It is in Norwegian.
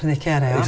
predikere ja.